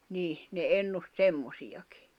niin ne ennusti semmoisiakin